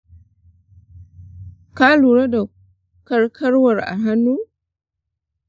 ka lura da karkarwar a hannu?